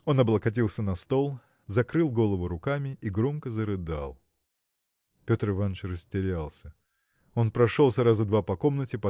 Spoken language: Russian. Он облокотился на стол, закрыл голову руками и громко зарыдал. Петр Иваныч растерялся. Он прошелся раза два по комнате